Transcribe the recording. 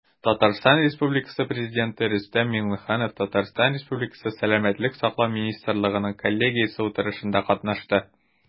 Татарстан Республикасы Президенты Рөстәм Миңнеханов ТР Сәламәтлек саклау министрлыгының коллегиясе утырышында катнашты.